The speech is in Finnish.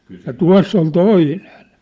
ja tuossa on toinen